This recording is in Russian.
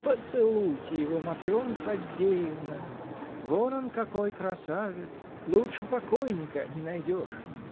Поцелуйте его, Матрена Фаддеевна, вон он какой красавец: лучше покойника не найдешь!.